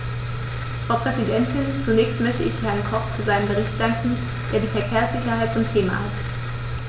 Frau Präsidentin, zunächst möchte ich Herrn Koch für seinen Bericht danken, der die Verkehrssicherheit zum Thema hat.